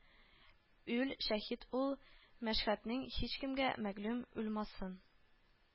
Үл, шәһид үл, мәшһәдең һичкемгә мәгълүм үлмасын